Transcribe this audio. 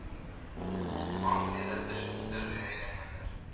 Англиядә теш үстерергә өйрәнгәннәр